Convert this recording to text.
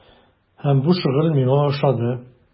Һәм бу шөгыль миңа ошады.